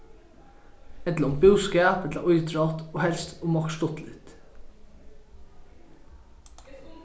ella um búskap ella ítrótt og helst um okkurt stuttligt